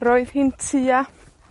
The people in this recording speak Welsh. Roedd hi'n tua,